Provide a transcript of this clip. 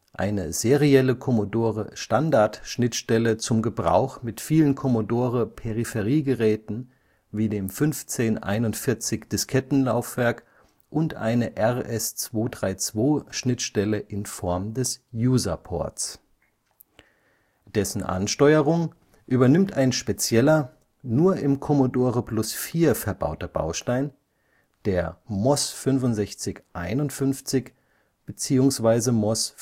eine serielle Commodore-Standardschnittstelle zum Gebrauch mit vielen Commodore-Peripheriegeräten wie dem 1541-Diskettenlaufwerk und eine RS-232-Schnittstelle in Form des User-Ports. Dessen Ansteuerung übernimmt ein spezieller nur im Commodore Plus/4 verbauter Baustein, der MOS 6551 beziehungsweise MOS